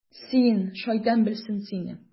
Син, шайтан белсен сине...